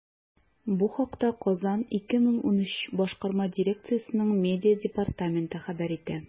Бу хакта “Казан 2013” башкарма дирекциясенең медиа департаменты хәбәр итә.